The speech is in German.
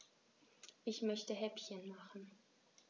Ich möchte Häppchen machen.